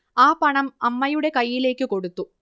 ആ പണം അമ്മയുടെ കയ്യിലേക്ക് കൊടുത്തു